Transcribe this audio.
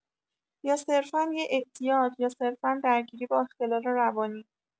یا صرفا یه اعتیاد یا صرفا درگیری با اختلال روانی.